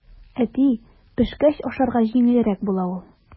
Әти, пешкәч ашарга җиңелрәк була ул.